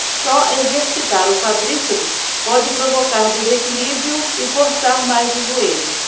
só exercitar o quadríceps pode provocar desequilíbrio e forçar mais o joelho